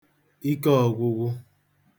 ike ọ̄gwụ̄gwụ̄